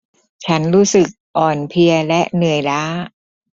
ฉันรู้สึกอ่อนเพลียและเหนื่อยล้า